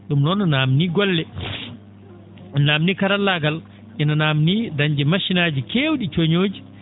?um noon no naamnii golle naamnii karallaagal ine naamnii dañde machine aaji keew?i coñooji